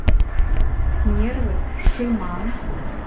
нервы шихман